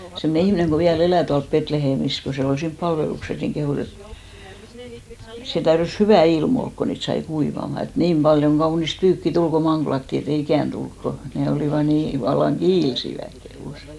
semmoinen ihminen kun vielä elää tuolla Betlehemissä kun se oli siinä palveluksessa niin kehui että se täytyi hyvä ilma olla kun niitä sai kuivamaan että niin paljon kaunista pyykkiä tuli kun manglattiin että ei ikänä tule kun ne olivat niin vallan kiilsivät kehui